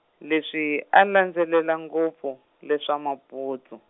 leswi a landzelela ngopfu, leswa Maputsu.